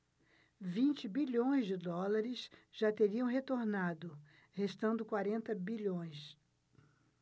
vinte bilhões de dólares já teriam retornado restando quarenta bilhões